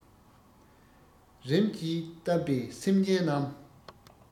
རིམས ཀྱིས བཏབ པའི སེམས ཅན རྣམས